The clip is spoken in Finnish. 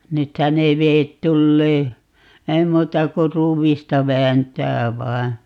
nythän ne vedet tulee ei muuta kuin ruuvista vääntää vain